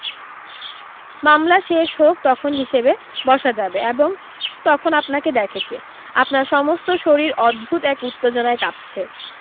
মামলা শেষ হোক তখন হিসেবে বসা যাবে এবং তখন আপনাকে দেখে কে আপনার সমস্ত শরীর অদ্ভুত এক উত্তেজনায় কাঁপছে